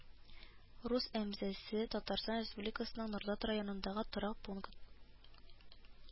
Рус Әмзәсе Татарстан Республикасының Норлат районындагы торак пункт